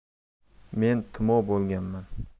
men tumov bo'lganman